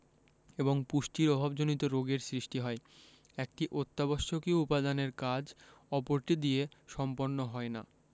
এবং পুষ্টির অভাবজনিত রোগের সৃষ্টি হয় একটি অত্যাবশ্যকীয় উপাদানের কাজ অপরটি দিয়ে সম্পন্ন হয় না